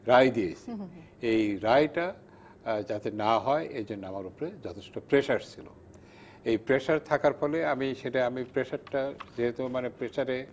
রায় দিয়েছি এই রায়টা আর যাতে না হয় এজন্য আমার উপর যথেষ্ট প্রেসার ছিল এই প্রেসার থাকার ফলে আমি সেটা প্রেশারটা যেহেতু মানে প্রেসারে